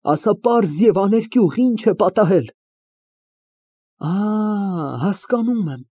Ասա պարզ և աներկյուղ, ի՞նչ է պատահել։ Ա, հասկանում եմ։